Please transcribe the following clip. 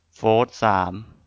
โฟธสาม